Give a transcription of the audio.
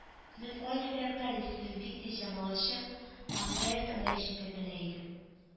Ның кайсы яктан исүен бик тиз чамалаучы халтаевтан да ишетеп белә иде